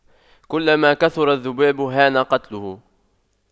كلما كثر الذباب هان قتله